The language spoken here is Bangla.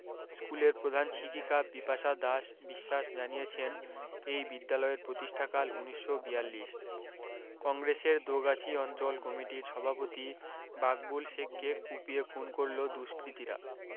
স্কুলের প্রধান শিক্ষিকা বিপাশা দাস বিশ্বাস জানিয়েছেন এই বিদ্যালয়ের প্রতিষ্ঠাকাল উনিশশো বিয়াললিশ কংগ্রেসের দোগাছি অঞ্চল কমিটির সভাপতি বাকবুল শেখকে কূপিয়ে খুন করল দুষ্কৃতীরা